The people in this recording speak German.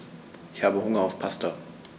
Ich habe Hunger auf Pasta.